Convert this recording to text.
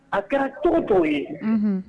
A kɛra to dɔ ye